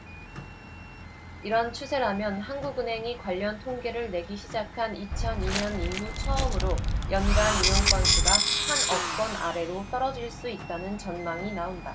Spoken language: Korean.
이런 추세라면 한국은행이 관련통계를 내기 시작한 이천 이 년 이후 처음으로 연간 이용 건수가 한 억건 아래로 떨어질 수 있다는 전망이 나온다